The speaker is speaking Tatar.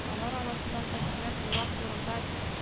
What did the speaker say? Алар арасыннан да кинәт зуррак урынга